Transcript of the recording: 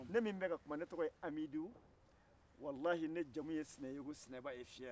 ne min bɛ ka kuma ne tɔgɔ ye amidu walayi ne jamu ye sinayoko sinaba et fier